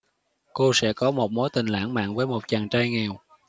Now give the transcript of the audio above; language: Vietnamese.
cô sẽ có một mối tình lãng mạn với một chàng trai nghèo